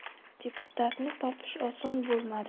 deputatni topish oson bo'lmadi